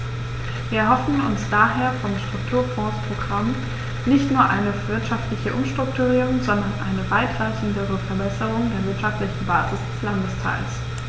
Wir erhoffen uns daher vom Strukturfondsprogramm nicht nur eine wirtschaftliche Umstrukturierung, sondern eine weitreichendere Verbesserung der wirtschaftlichen Basis des Landesteils.